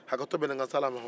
hakɛto bɛ nin na salam mahamadu